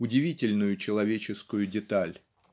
удивительную человеческую деталь.